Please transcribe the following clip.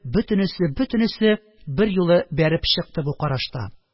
Бөтенесе-бөтенесе берьюлы бәреп чыкты бу карашта